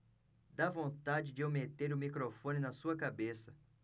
dá vontade de eu meter o microfone na sua cabeça